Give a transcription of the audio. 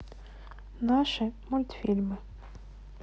наши мультфильмы